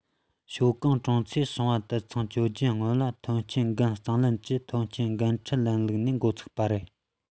ཞའོ ཀང གྲོང ཚོའི ཞིང པ དུད ཚང ༡༨ ལ སྔོན ལ ཐོན སྐྱེད བྱེད འགན གཙང ལེན གྱི ཐོན སྐྱེད འགན འཁྲིའི ལམ ལུགས ནས འགོ ཚུགས པ རེད